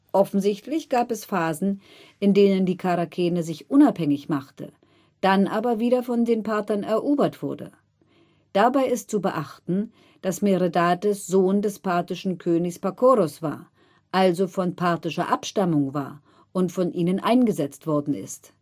Offensichtlich gab es Phasen, in denen die Charakene sich unabhängig machte, dann aber wieder von den Parther erobert wurde. Dabei ist zu beachten, dass Meredates Sohn des parthischen Königs Pakoros war, also von parthischer Abstammung war und von ihnen eingesetzt worden ist